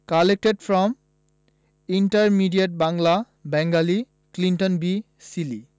collected from intermediate Bangla Bengali Clinton B Seely